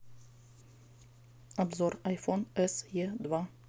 обзор айфон эс е два